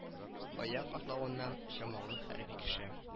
Аяк атлавыннан чамалыйм хәрби кеше